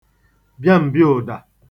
bịam̀bịaụ̀dà